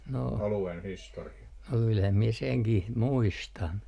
no kyllähän minä senkin muistan